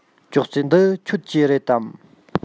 ཅོག ཙེ འདི ཁྱོད ཀྱི རེད དམ